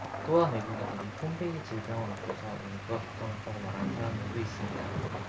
또한 외국인들이 폰페이에 질병을 옮겨서 인구가 격감했다고 말하는 사람들도 있습니다